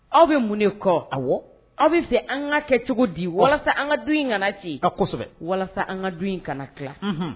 Aw bɛ mun de kɔ? Awɔ, aw bɛ fɛ an ka kɛ cogo di walasa an ka du in kana ci? Kosɛbɛ, walasa an ka du in kana tila? unhun